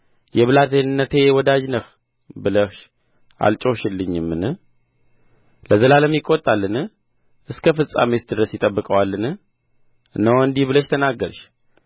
የብላቴንነቴ ወዳጅ ነህ ብለሽ አልጮኽሽልኝምን ለዘላለም ይቈጣልን እስከ ፍጻሜስ ድረስ ይጠብቀዋልን እነሆ እንዲህ ብለሽ ተናገርሽ